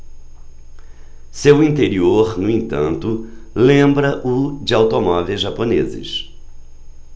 seu interior no entanto lembra o de automóveis japoneses